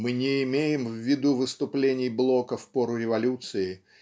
мы не имеем в виду выступлений Блока в пору революции